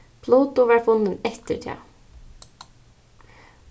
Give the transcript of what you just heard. pluto varð funnin eftir tað